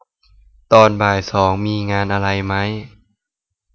ตอนบ่ายสองมีงานอะไรไหม